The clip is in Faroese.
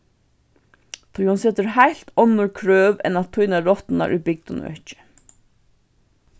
tí hon setir heilt onnur krøv enn at týna rotturnar í bygdum øki